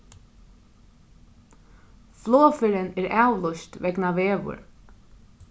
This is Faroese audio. flogferðin er avlýst vegna veður